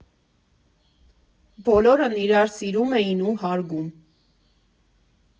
Բոլորն իրար սիրում էին ու հարգում։